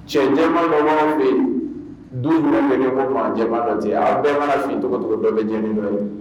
Cɛnɛn ɲɔgɔn du tun bɛn cɛ' la cɛ a bɛɛ' tɔgɔ tɔgɔ bɛɛ bɛ jɛin ye